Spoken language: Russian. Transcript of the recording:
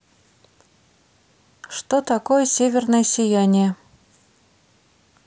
что такое северное сияние